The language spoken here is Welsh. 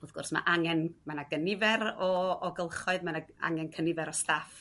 Wrth gwrs ma' angen... ma 'na gynnifer o o gylchoedd ma' 'na angan cynnifer o staff